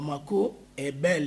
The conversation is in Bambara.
A ma ko ɛ bɛɛ la